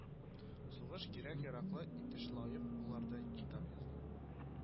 Сугыш кирәк-яраклары итешлаек булырдай китап язды